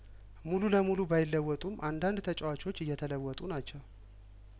ሙሉ ለሙሉ ባይለወጡም አንዳንድ ተጫዋቾች እየተለወጡ ናቸው